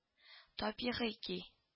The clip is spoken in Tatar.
Табигый ки